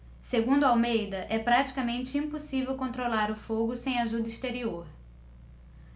segundo almeida é praticamente impossível controlar o fogo sem ajuda exterior